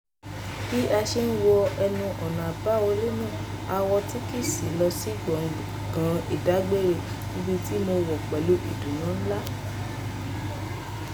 Bí a ṣe ti wọ ẹnu ọ̀nà àbáwọlé náà, a wọ takisí lọ sí gbọ̀ngán ìdágbére, ibi tí mo wọ̀ pẹ̀lú ìdùnnú ńlá.